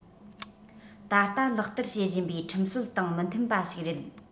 ད ལྟ ལག བསྟར བྱེད བཞིན པའི ཁྲིམས སྲོལ དང མི མཐུན པ ཞིག རེད